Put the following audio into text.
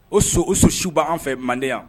O so o so siw bɛ an' fɛ Manden yan